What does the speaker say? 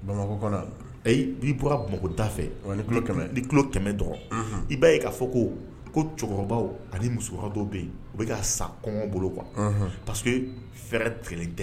Bamakɔ kɔnɔ yan ayi n'i bɔra Bamakɔ dafɛ ni kilo kɛmɛ ni kilo kɛmɛ dɔrɔn i b'a ye k'a fɔ ko ko cɛkɔrɔbaw ani musokɔrɔbaw bɛ yen u bɛ ka sa kɔngɔ bolo quoi, parce que fɛɛrɛ tigɛlen tɛ